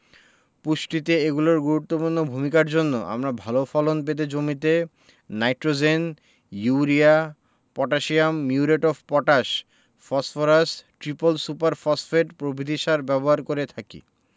পুষ্টিতে এগুলোর গুরুত্বপূর্ণ ভূমিকার জন্য আমরা ভালো ফলন পেতে জমিতে nitrogen urea potassium muriate of potash phosphorus triple super phosphate প্রভৃতি সার ব্যবহার করে থাকি